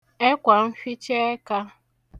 ẹkwàmfhicheẹkā